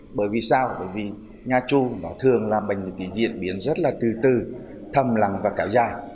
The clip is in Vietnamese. bởi vì sao bởi vì nha chu thường là bệnh diễn biến rất là từ từ thầm lặng và kéo dài